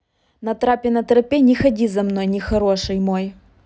на трапе на тропе не ходи за мной не хороший мой